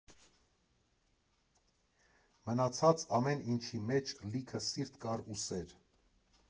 Մնացած ամեն ինչի մեջ լիքը սիրտ կար ու սեր։